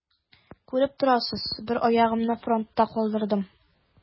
Күреп торасыз: бер аягымны фронтта калдырдым.